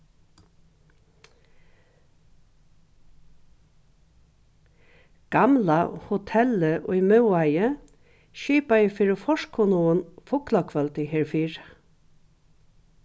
gamla hotellið í miðvági skipaði fyri forkunnugum fuglakvøldi herfyri